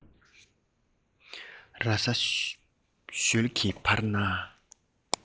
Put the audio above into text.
ར ས ཞོལ གྱི བར ན